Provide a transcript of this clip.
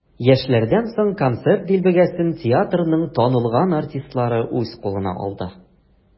Яшьләрдән соң концерт дилбегәсен театрның танылган артистлары үз кулына алды.